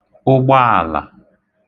ụgbọàlà